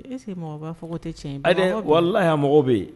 Est-ce que mɔgɔ b'a fɔ ko tɛ tiɲɛ ye? Ayi dɛ, walahi mɔgɔw bɛ yen.